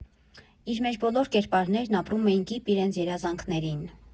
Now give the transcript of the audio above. Իր մեջ բոլոր կերպարներն ապրում են կիպ իրենց երազանքներին։